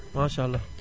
maasàllaa